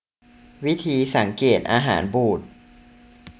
วิธีสังเกตอาหารบูด